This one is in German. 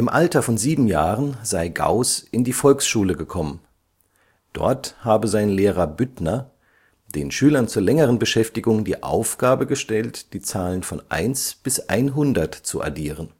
Alter von sieben Jahren sei Gauß in die Volksschule gekommen. Dort habe sein Lehrer Büttner den Schülern zur längeren Beschäftigung die Aufgabe gestellt, die Zahlen von 1 bis 100 zu addieren